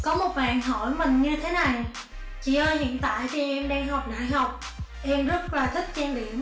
có một bạn hỏi mình như thế này chị ơi hiện tại thì em đang học đại học em rất là thích trang điểm